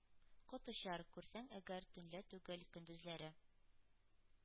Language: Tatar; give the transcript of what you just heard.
Кот очар, күрсәң әгәр, төнлә түгел — көндезләре.